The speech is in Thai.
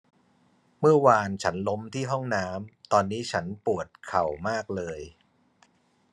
เมื่อวานฉันล้มที่ห้องน้ำตอนนี้ฉันปวดเข่ามากเลย